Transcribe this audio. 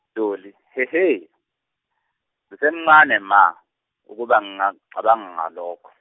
Dolly he he, ngisemncane ma, ukuba ngingacabanga ngalokho.